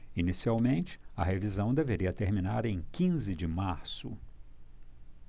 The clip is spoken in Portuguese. inicialmente a revisão deveria terminar em quinze de março